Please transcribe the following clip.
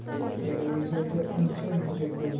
televizorda uncha muncha ko'rib